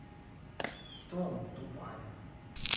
tom тупая